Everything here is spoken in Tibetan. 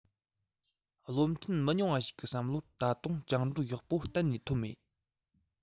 བློ མཐུན མི ཉུང བ ཞིག གི བསམ བློར ད དུང བཅིངས འགྲོལ ཡག པོ གཏན ནས ཐོབ མེད